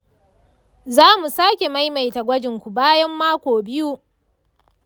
zamu sake maimaita gwajinku bayan mako biyu